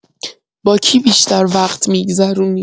با کی بیشتر وقت می‌گذرونی؟